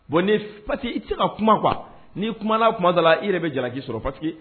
Bon ni pa i tɛ ka kuma kuwa nii kuma kuma da la i yɛrɛ bɛ jalaki sɔrɔ patigi